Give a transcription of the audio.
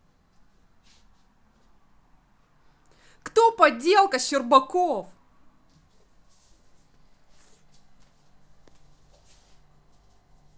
кто подделка щербаков